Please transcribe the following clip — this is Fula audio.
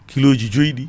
kiloji joyyi ɗi